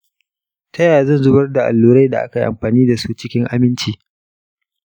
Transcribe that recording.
ta ya zan zubar da allurai da akayi amfani dasu cikin aminci?